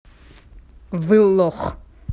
вы лох